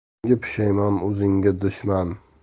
keyingi pushaymon o'zingga dushman